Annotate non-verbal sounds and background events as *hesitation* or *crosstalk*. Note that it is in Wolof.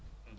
*hesitation*